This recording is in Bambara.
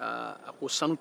aaa a ko sanu caman bɛ n bolo ka d'i man i ka so di yan